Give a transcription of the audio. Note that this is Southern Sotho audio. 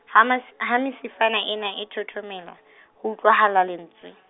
ha mas- ha mesifana ena e thothomela, ho utlwahala lentswe.